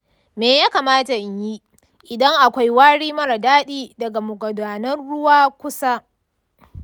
me ya kamata in yi idan akwai wari mara daɗi daga magudanar ruwa kusa?